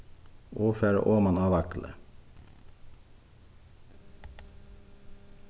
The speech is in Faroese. og fara oman á vaglið